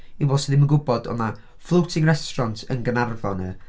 I bobl sydd ddim yn gwybod, oedd yna floating restaurant yn Gaernarfon.